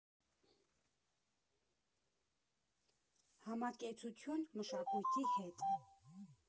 Համակեցություն մշակույթի հետ։